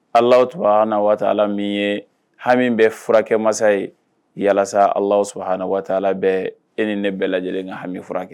Alahu subahana watala min ye hami bɛ furakɛmasa ye, walasa Alahu subahana watala bɛ, e ni ne bɛɛ lajɛlen ka hami furakɛ kɛ.